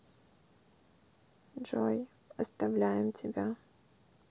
джой оставляем тебя